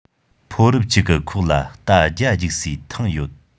ཕོ རབ ཅིག གི ཁོག ལ རྟ བརྒྱ རྒྱུག སའི ཐང ཡོད